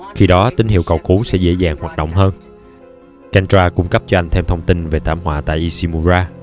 khi đó tín hiệu cầu cứu sẽ dễ dàng hoạt động hơn kendra cung cấp cho anh thêm thông tin về thảm họa tại ishimura